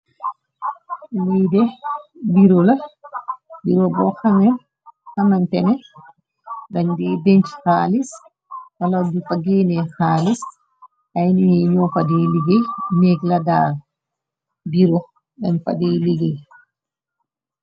Liide biro la diro bo xane xamante ne dañ diy bënc xaalis wala bu pa geenee xaalis ay nangi ñoo fadi neeg la daal dirox dañ fadiy liggéey.